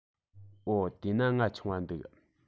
འོ དེས ན ང ཆུང བ འདུག